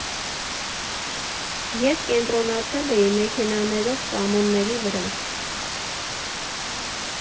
Ես կենտրոնացել էի մեքենաներով ծամոնների վրա։